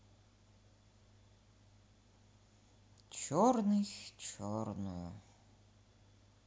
черный черную